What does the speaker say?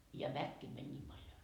ja väkeä meni niin paljon